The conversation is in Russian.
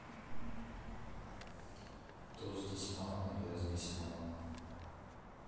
кто здесь мама я здесь мама